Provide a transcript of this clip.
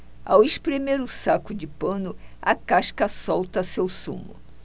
ao espremer o saco de pano a casca solta seu sumo